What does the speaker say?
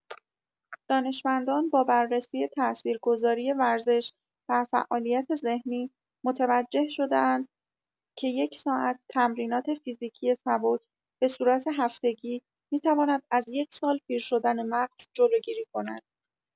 دانشمندان با بررسی تاثیرگذاری ورزش بر فعالیت ذهنی متوجه شده‌اند که یک ساعت تمرینات فیزیکی سبک به صورت هفتگی می‌تواند از یک سال پیر شدن مغز جلوگیری کند.